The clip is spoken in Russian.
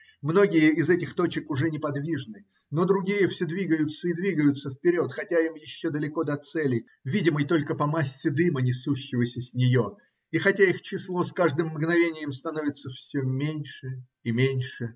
Многие из этих точек уже неподвижны, но другие все двигаются и двигаются вперед, хотя им еще далеко до цели, видимой только по массе дыма, несущегося с нее, и хотя их число с каждым мгновением становится все меньше и меньше.